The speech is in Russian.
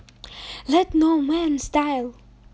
let no man style